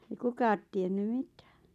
ei kukaan tiennyt mitään